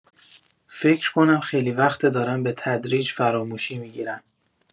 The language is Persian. فکر کنم خیلی وقته دارم به‌تدریج فراموشی می‌گیرم.